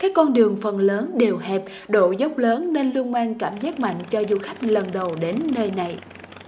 các con đường phần lớn đều hẹp độ dốc lớn nên luôn mang cảm giác mạnh cho du khách lần đầu đến nơi này